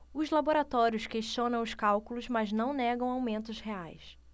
os laboratórios questionam os cálculos mas não negam aumentos reais